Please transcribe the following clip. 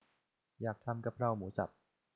อยากทำกะเพราหมูสับ